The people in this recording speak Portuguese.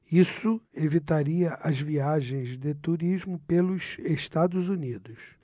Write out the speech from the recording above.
isso evitaria as viagens de turismo pelos estados unidos